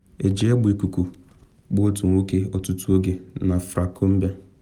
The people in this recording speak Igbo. Eji egbe ikuku gbaa otu nwoke ọtụtụ oge na llfracombe